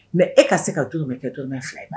Mɛ e ka se ka juru min kɛ tomɛ fila na